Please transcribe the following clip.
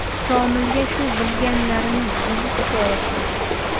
shomilga shu bilganlarining o'zi kifoya qildi